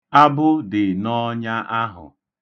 Abụ dị n'ọnya ahụ.